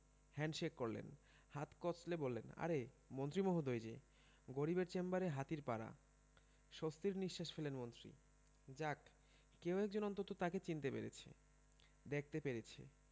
handshake করলেন হাত কচলে বললেন আরে মন্ত্রী মহোদয় যে গরিবের চেম্বারে হাতির পাড়া স্বস্তির নিশ্বাস ফেললেন মন্ত্রী যাক কেউ একজন অন্তত তাঁকে চিনতে পেরেছে দেখতে পেরেছে